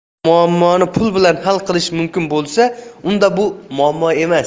agar muammoni pul bilan hal qilish mumkin bo'lsa unda bu muammo emas